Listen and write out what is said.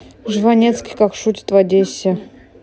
жванецкий как шутят в одессе